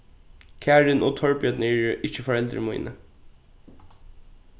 karin og torbjørn eru ikki foreldur míni